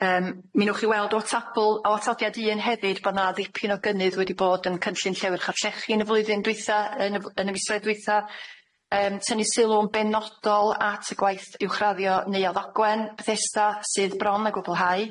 Yym mi nowch chi weld o tabl o atodiad un hefyd bo 'na ddipyn o gynnydd wedi bod yn cynllun Llewyrch o'r Llechi yn y flwyddyn dwitha yn y f- yn y misoedd dwitha yym tynnu sylw yn benodol at y gwaith uwchraddio Neuadd Ogwen Bethesda sydd bron a gwblhau.